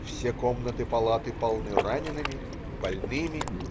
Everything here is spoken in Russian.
Все комнаты-палаты полны ранеными, больными.